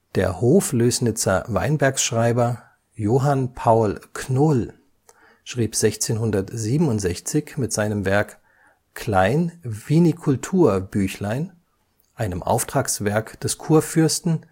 Der Hoflößnitzer Weinbergsschreiber Johann Paul Knohll schrieb 1667 mit seinem Werk Klein Vinicultur-Büchlein, einem Auftragswerk des Kurfürsten